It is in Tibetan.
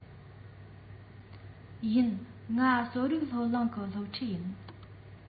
ཡིན ང གསོ རིག སློབ གླིང གི སློབ ཕྲུག ཡིན